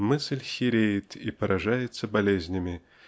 мысль хиреет и поражается болезнями